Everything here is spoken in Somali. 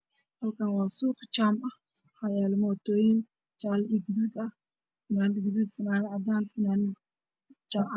Meshaan waa suuq jaam ah waxaa yaalo motooyin